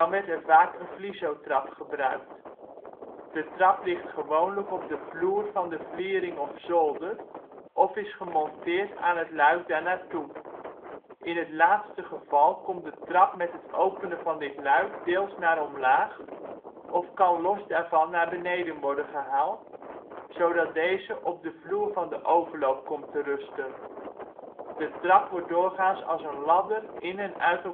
werd er vaak een vlizotrap gebruikt. De trap ligt gewoonlijk op de vloer van de vliering/zolder of is gemonteerd aan het luik daarnaartoe. In het laatste geval komt de trap met het openen van dit luik deels naar omlaag of kan los daarvan naar beneden worden gehaald, zodat deze op de vloer van de overloop komt te rusten. De trap wordt doorgaans als een ladder in en uit